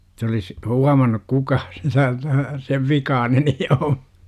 että olisi huomannut kukaan sitä että sen vikainen niin on